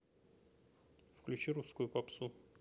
включи русскую попсу